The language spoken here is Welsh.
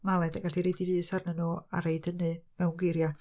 Ma' Aled yn gallu roid ei fys arnyn nhw a rhoid hynny mewn geiriau.